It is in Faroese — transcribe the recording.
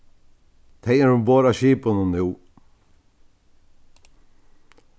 tey eru umborð á skipinum nú